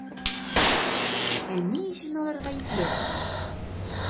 Ә ни өчен алар гаепле?